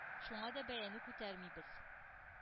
Шуңа да бәяне күтәрмибез.